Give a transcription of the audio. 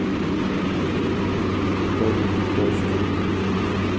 камеди кастинг